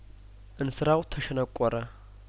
እንስራው ተሸነቆረ